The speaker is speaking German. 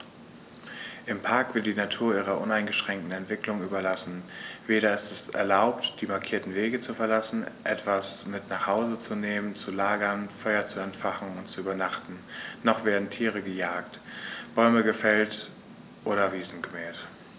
Im Park wird die Natur ihrer uneingeschränkten Entwicklung überlassen; weder ist es erlaubt, die markierten Wege zu verlassen, etwas mit nach Hause zu nehmen, zu lagern, Feuer zu entfachen und zu übernachten, noch werden Tiere gejagt, Bäume gefällt oder Wiesen gemäht.